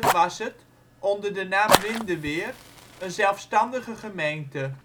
was het, onder de naam Windeweer, een zelfstandige gemeente